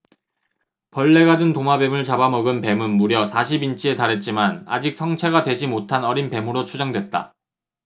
벌레가 든 도마뱀을 잡아 먹은 뱀은 무려 사십 인치에 달했지만 아직 성체가 되지 못한 어린 뱀으로 추정됐다